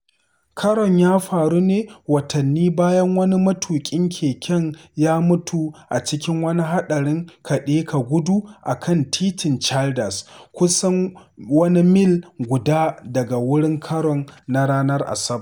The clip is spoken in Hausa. Karon ya faru ne watanni bayan wani matuƙin keken ya mutu a cikin wani haɗarin kaɗe-ka-gudu a kan Titin Childers, kusan wani mil guda daga wurin karon na ranar Asabar.